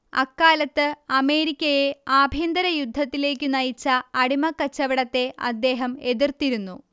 അക്കാലത്ത് അമേരിക്കയെ ആഭ്യന്തരയുദ്ധത്തിലേയ്ക്കു നയിച്ച അടിമക്കച്ചവടത്തെ അദ്ദേഹം എതിർത്തിരുന്നു